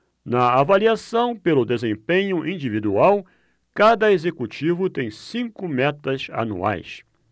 na avaliação pelo desempenho individual cada executivo tem cinco metas anuais